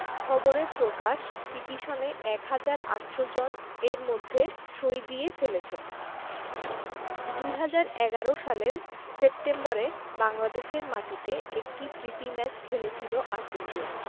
খবরে প্রকাশ পিটিশনে ১ হাজার ৮০০ জন এরই মধ্যে সই দিয়ে ফেলেছেন ২০১১ সালের সেপ্টেম্বরে বাংলাদেশের মাটিতে একটি প্রীতি ম্যাচ খেলেছিল আর্জেন্টিনা